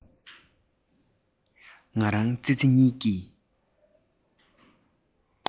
ང རང ཙི ཙི གཉིས ཀྱི